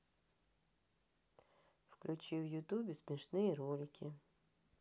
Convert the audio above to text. включи в ютубе смешные ролики